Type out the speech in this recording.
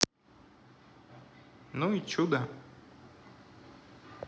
ну и чудо